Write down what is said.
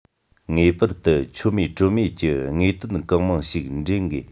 ངེས པར དུ ཆོ མེད བྲོ མེད ཀྱི དངོས དོན གང མང ཞིག འདྲེན དགོས